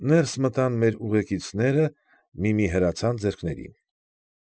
Ներս մտան մեր ուղեկիցները մի֊մի հրացան ձեռքներին։